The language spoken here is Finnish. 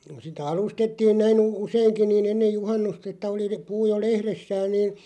sitä alustettiin näin - useinkin niin ennen juhannusta että oli - puu jo lehdessään niin